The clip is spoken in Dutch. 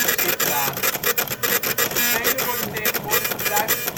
zichtbaar. Velen worden tegenwoordig gebruikt